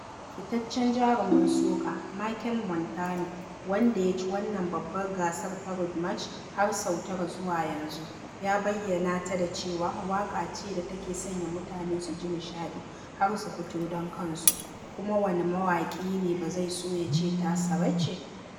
Fitaccen jarumin Soca, Machel Montano, wanda ya ci wannan babban gasar ta Road March har sau tara zuwa yanzu, ya bayyana ta da cewa "waƙa ce da take sanya mutane su ji nishaɗi har su fito don kansu" - kuma wane mawaƙi ne ba zai so ya ce tasa ba ce?